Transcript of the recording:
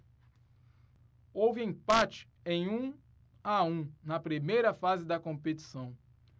houve empate em um a um na primeira fase da competição